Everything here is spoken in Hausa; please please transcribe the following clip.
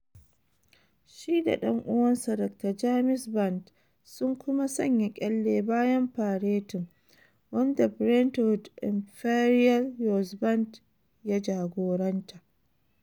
Shi da ɗan'uwansa, Dr James Vann, sun kuma sanya kyalle bayan faretin, wanda Brentwood Imperial Youth Band ya jagoranta.